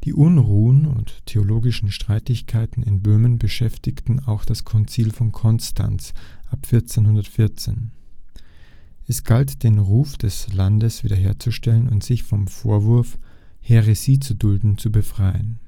Unruhen und theologischen Streitigkeiten in Böhmen beschäftigten auch das Konzil von Konstanz ab 1414. Es galt, den Ruf des Landes wieder herzustellen und sich vom Vorwurf, Häresie zu dulden, zu befreien